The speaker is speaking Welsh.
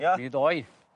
Ia? Mi ddoi.